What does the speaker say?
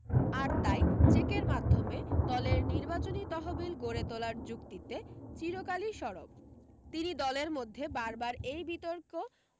আর তাই চেকের মাধ্যমে দলের নির্বাচনী তহবিল গড়ে তোলার যুক্তিতে চিরকালি সরব তিনি দলের মধ্যে বারবার এই বিতর্ক